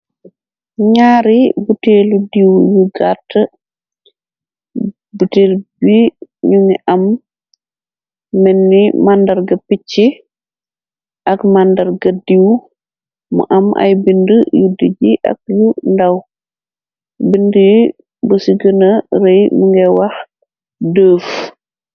Nyaari buteelu diiw yu gatta buteel bi ñu ngi am menni màndarga picc ak màndarga diw mu am ay bindi yu dij i ak yu ndaw bind i bu ci gëna rëy mu ngay wax deef.